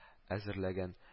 Әзерләгән